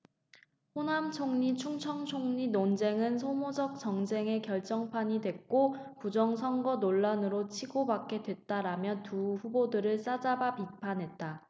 호남총리 충청총리 논쟁은 소모적 정쟁의 결정판이 됐고 부정선거 논란으로 치고받게 됐다라며 두 후보들을 싸잡아 비판했다